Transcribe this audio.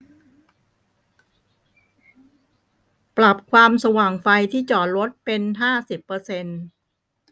ปรับความสว่างไฟที่จอดรถเป็นห้าสิบเปอร์เซ็นต์